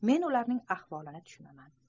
men ularning ahvolini tushunaman